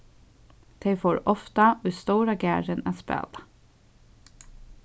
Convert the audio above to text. tey fóru ofta í stóra garðin at spæla